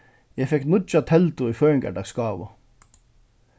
eg fekk nýggja teldu í føðingardagsgávu